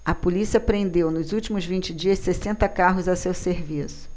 a polícia apreendeu nos últimos vinte dias sessenta carros a seu serviço